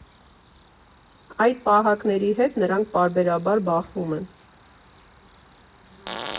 Այդ պահակների հետ նրանք պարբերաբար բախվում են։